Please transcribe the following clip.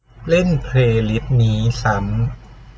เล่นเพลย์ลิสนี้ซ้ำ